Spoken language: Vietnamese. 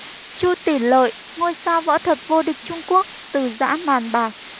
chu tỉ lợi ngôi sao võ thuật vô địch trung quốc từ giã màn bạc